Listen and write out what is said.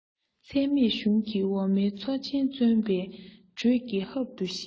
ཚད མེད གཞུང ཀྱི འོ མའི མཚོ ཆེན བརྩོན པའི འགྲོས ཀྱིས ཧུབ ཏུ བཞེས